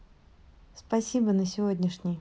спасибо на сегодняшний